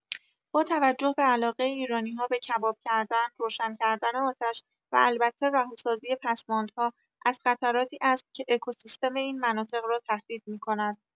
با توجه به علاقه ایرانی‌‌ها به کباب‌کردن، روشن کردن آتش و البته رهاسازی پسماندها از خطراتی است که اکوسیستم این مناطق را تهدید می‌کند.